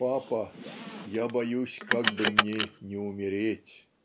"Папа, я боюсь, как бы мне не умереть".